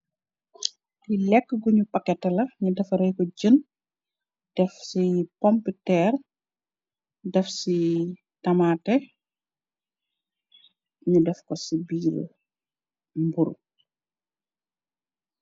Lekka buñ paketeh la, ñi defaree ko jen, defci pompitèèr, defci tamateh ñi def ko ci mburu.